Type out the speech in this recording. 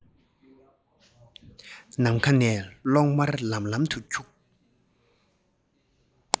ནམ མཁའ ནས གློག དམར ལམ ལམ དུ འཁྱུག